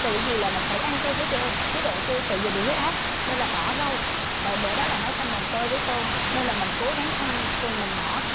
tự dì là mình phải ăn theo cái chô chế độ chư tự dì bị huyết áp nên là bỏ rau mà bữa đó là nấu canh mồng tơi với tôm nên là mình cố gắng canh rồi mình bỏ